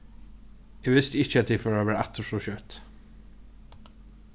eg visti ikki at tit fóru at verða aftur so skjótt